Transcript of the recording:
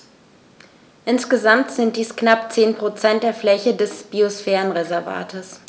Insgesamt sind dies knapp 10 % der Fläche des Biosphärenreservates.